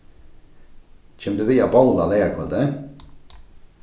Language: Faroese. kemur tú við at bovla leygarkvøldið